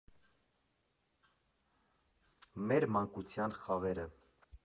Մեր մանկության խաղերը։